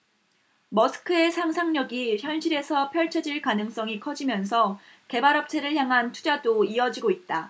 머스크의 상상력이 현실에서 펼쳐질 가능성이 커지면서 개발업체를 향한 투자도 이어지고 있다